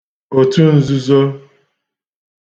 òtunzuzo